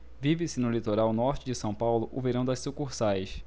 vive-se no litoral norte de são paulo o verão das sucursais